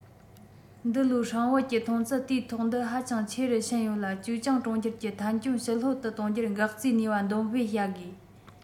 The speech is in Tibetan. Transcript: འདི ལོའི སྲིང བལ གྱི ཐོན ཚད དུས ཐོག འདི ཧ ཅང ཆེ རུ ཕྱིན ཡོད ལ ཅིའུ ཅང གྲོང ཁྱེར གྱི ཐན སྐྱོན ཞི ལྷོད དུ གཏོང རྒྱུར འགག རྩའི ནུས པ འདོན སྤེལ བྱ དགོས